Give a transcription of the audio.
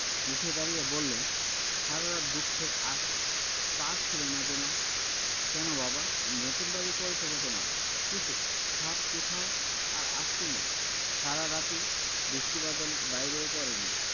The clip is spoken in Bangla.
উঠে দাঁড়িয়ে বললেন সারা রাত দুঃখের আর পার ছিল না যে মা কেন বাবা নতুন বাড়ি করেচ বটে মা কিন্তু ছাত কোথাও আর আস্ত নেই সারা রাতের বৃষ্টি বাদল বাইরে ও পড়েনি